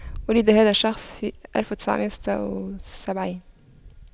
ولد هذا الشخص في ألف وتسعمئة وستة وسبعين